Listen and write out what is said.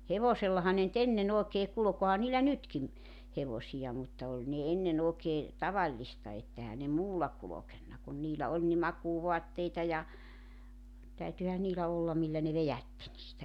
hevosellahan ne nyt ennen oikein kulki onhan niillä nytkin hevosia mutta oli ne ennen oikein tavallista että eihän ne muulla kulkenut kun niillä oli niin makuuvaatteita ja täytyihän niillä olla millä ne vedätti niitä